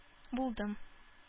Булдым